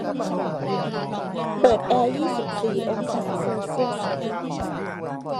เปิดแอร์ยี่สิบสี่องศาเซลเซียส